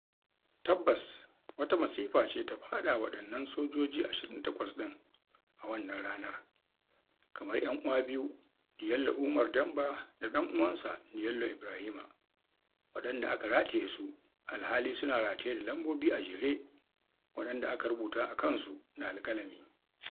Tabbas, wata masifa ce ta faɗawa waɗannan sojoji 28 ɗin a wannan ranar. Kamar 'yan'uwa biyu, Diallo Oumar Demba da ɗan'uwansa Diallo Ibrahima, waɗanda aka rataye su alhali suna rataye da lambobi a jere waɗanda aka rubuta a kansu da alƙalami.